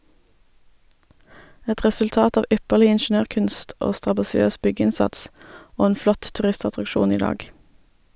Et resultat av ypperlig ingeniørkunst og strabasiøs byggeinnsats, og en flott turistattraksjon i dag.